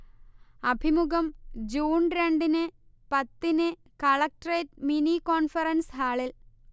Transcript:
അഭിമുഖം ജൂൺ രണ്ടിന് പത്തിന് കളക്ടറേറ്റ് മിനി കോൺഫറൻസ് ഹാളിൽ